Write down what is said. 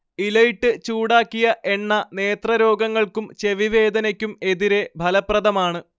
ഇലയിട്ട് ചൂടാക്കിയ എണ്ണ നേത്രരോഗങ്ങൾക്കും ചെവിവേദനയ്ക്കും എതിരെ ഫലപ്രദമാണ്